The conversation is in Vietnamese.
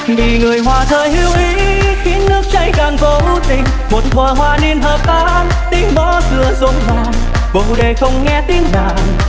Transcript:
vì người hoa rơi hữu ý khiến nước chảy càng vô tình một thuở hoa niên hợp tan tiếng mõ xưa rối loạn bồ đề không nghe tiếng nàng